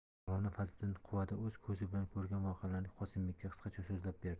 mavlono fazliddin quvada o'z ko'zi bilan ko'rgan voqealarni qosimbekka qisqacha so'zlab berdi